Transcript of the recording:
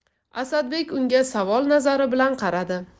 asadbek unga savol nazari bilan qaradi